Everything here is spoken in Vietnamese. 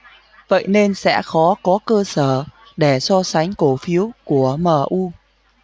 vậy nên sẽ khó có cơ sở để so sánh cổ phiếu của mu